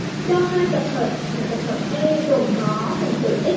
cho hai tập hợp a là tập hợp e gồm có phần tử à